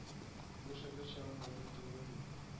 Бу - шәкерт чагында бик кызыл иде